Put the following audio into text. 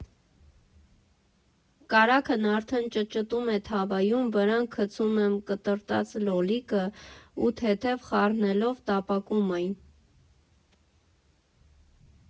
Կարագն արդեն ճտճտում է թավայում, վրան գցում եմ կտրատած լոլիկը ու, թեթև խառնելով, տապակում այն։